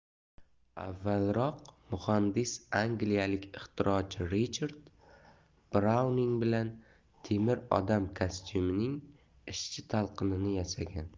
avvalroq muhandis angliyalik ixtirochi richard brauning bilan temir odam kostyumining ishchi talqinini yasagan